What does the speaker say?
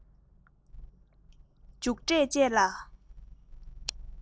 མཇུག འབྲས བཅས ལ